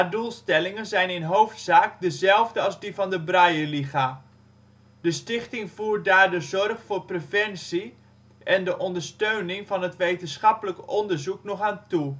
doelstellingen zijn in hoofdzaak dezelfde als die van de Brailleliga. De Stichting voegt daar de zorg voor preventie en de ondersteuning van het wetenschappelijk onderzoek nog aan toe